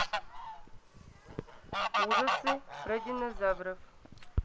ужасы про динозавров